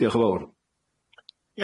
Diolch yn fowr. Iawn.